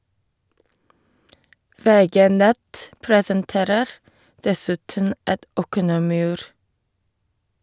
VG Nett presenterer dessuten et Økonomiur.